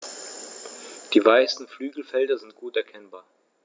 Die weißen Flügelfelder sind gut erkennbar.